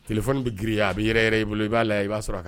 Téléphone bɛ giriya a bɛ yɛrɛ yɛrɛ i bolo i b'a lajɛ i b'a sɔrɔ